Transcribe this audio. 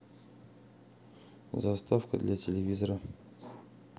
заставка для телевизора